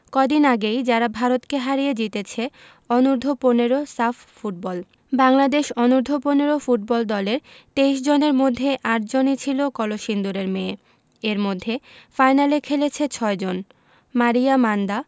কদিন আগেই যারা ভারতকে হারিয়ে জিতেছে অনূর্ধ্ব ১৫ সাফ ফুটবল বাংলাদেশ অনূর্ধ্ব ১৫ ফুটবল দলের ২৩ জনের মধ্যে ৮ জনই ছিল কলসিন্দুরের মেয়ে এর মধ্যে ফাইনালে খেলেছে ৬ জন মারিয়া মান্দা